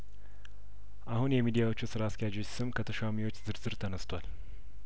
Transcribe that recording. አሁን የሚዲያዎቹ ስራ አስኪያጆች ስም ከተሿሚዎች ዝርዝር ተነስቷል